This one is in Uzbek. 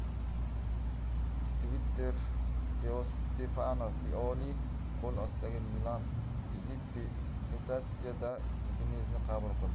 twitterdeostefano pioli qo'l ostidagi milan juzeppe meatssa da udineze ni qabul qildi